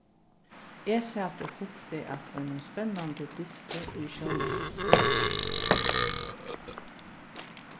eg sat og hugdi at einum spennandi dysti í sjónvarpinum